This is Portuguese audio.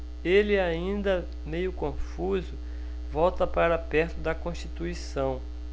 ele ainda meio confuso volta para perto de constituição